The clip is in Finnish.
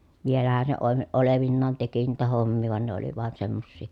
vielähän se - olevinaan teki niitä hommia vain ne oli vain semmoisia